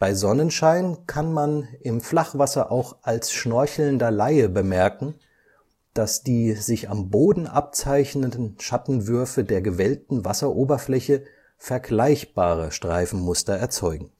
Sonnenschein kann man im Flachwasser auch als schnorchelnder Laie bemerken, dass die sich am Boden abzeichnenden Schattenwürfe der gewellten Wasseroberfläche vergleichbare Streifenmuster erzeugen